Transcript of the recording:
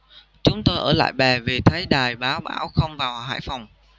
chúng tôi ở lại bè vì thấy đài báo bão không vào hải phòng